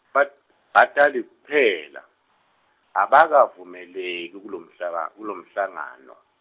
ba- batali kuphela, abakavumeleki kulomhlaka-, kulomhlangano.